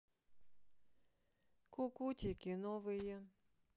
кукутики новые